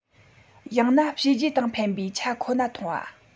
ཡང ན བྱས རྗེས དང ཕན པའི ཆ ཁོ ན མཐོང བ